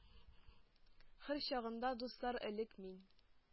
Хөр чагында, дуслар, элек мин?